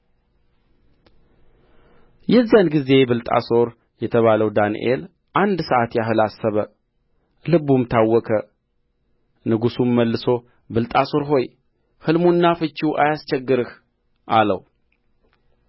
የዚያን ጊዜ ብልጣሶር የተባለው ዳንኤል አንድ ሰዓት ያህል አሰበ ልቡም ታወከ ንጉሡም መልሶ ብልጣሶር ሆይ ሕልሙና ፍቺው አያስቸግርህ አለው